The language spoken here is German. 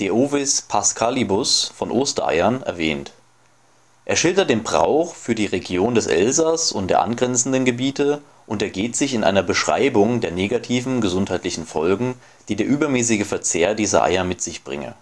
ovis paschalibus – von Oster-Eyern “erwähnt. Er schildert den Brauch für die Region des Elsass und der angrenzenden Gebiete und ergeht sich in einer Beschreibung der negativen gesundheitlichen Folgen, die der übermäßige Verzehr dieser Eier mit sich bringe